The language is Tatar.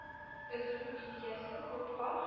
Өзү идеясе клубка